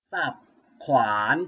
สับขวาน